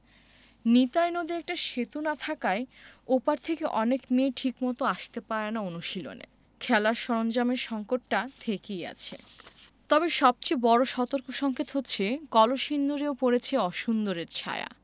নিতাই নদে একটা সেতু না থাকায় ও পার থেকে অনেক মেয়ে ঠিকমতো আসতে পারে না অনুশীলনে খেলার সরঞ্জামের সংকটটা থেকেই গেছে তবে সবচেয়ে বড় সতর্কসংকেত হচ্ছে কলসিন্দুরেও পড়েছে অসুন্দরের ছায়া